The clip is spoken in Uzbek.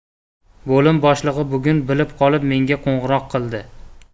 bo'lim boshlig'i bugun bilib qolib menga qo'ng'iroq qildi